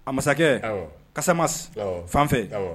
A masakɛɛ awɔ kasamas awɔ fan fɛ awɔ